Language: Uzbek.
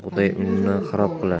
yomon xotin bug'doy unni xarob qilar